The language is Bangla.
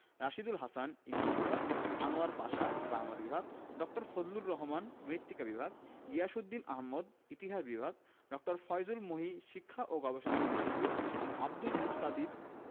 রাশীদুল হাসান ইংরেজি বিভাগ আনোয়ার পাশা বাংলা বিভাগ ড. ফজলুর রহমান মৃত্তিকা বিভাগ গিয়াসউদ্দিন আহমদ ইতিহাস বিভাগ ড. ফয়জুল মহি শিক্ষা ও গবেষণা ইনস্টিটিউট আব্দুল মুকতাদির